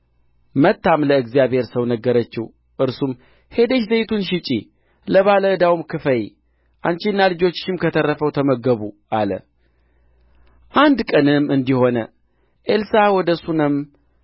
ወደ እርስዋ ያመጡ ነበር እርስዋም ትገለብጥ ነበር ማድጋዎቹም በሞሉ ጊዜ ልጅዋን ደግሞም ማድጋ አምጣልኝ አለችው እርሱም ሌላ ማድጋ የለም አላት ዘይቱም ቆመ